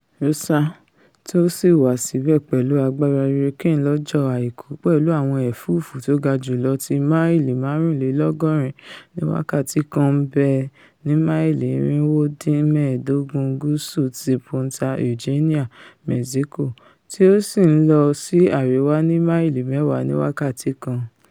Rosa, tósì wà síbẹ̀ pẹ̀lú agbára hurricane lọ́jọ́ Àìkú pẹ̀lú àwọn ẹ̀fúùfù tóga jùlọ ti máìlì máàrúnlélọ́gọ́rin ní wákàtí kan, ńbẹ ní máìlì irinwó-dín-mẹ́ẹ̀ẹ́dógún gúúsù ti Punta Eugenia, Mẹ́ṣíkò tí ó sì ńlọ sí àríwá ní máìlì mẹ́wàá ní wákàtí kan.